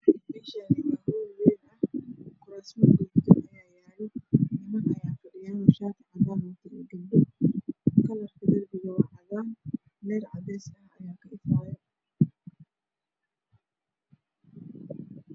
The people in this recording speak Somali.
Meeshaani waa hool wayn kuraasman ayaa yaalo niman Aya fadhiyo shaati cadaan wato kalarkisa cadaan